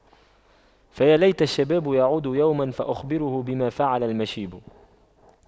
فيا ليت الشباب يعود يوما فأخبره بما فعل المشيب